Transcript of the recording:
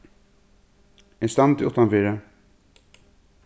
eg standi uttanfyri